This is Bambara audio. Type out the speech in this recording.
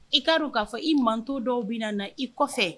I kaa u k'a fɔ i manto dɔw bɛ na na i kɔfɛ